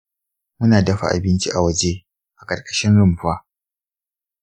muna dafa abinci a waje a ƙarƙashin rumfa.